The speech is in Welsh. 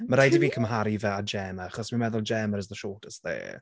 Mae'n... two? ...rhaid i fi cymharu fe â Gemma achos fi'n meddwl Gemma is the shortest there.